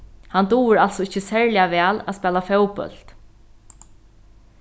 hann dugir altso ikki serliga væl at spæla fótbólt